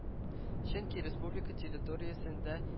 Чөнки республика территориясендә